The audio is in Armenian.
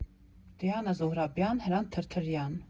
Դիանա Զոհրաբյան, Հրանտ Թրթրյան։